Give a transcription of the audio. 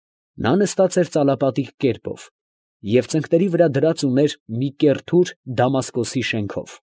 Նա նստած էր ծալապատիկ կերպով և ծնկների վրա դրած ուներ մի կեռ թուր Դամասկոսի շենքով։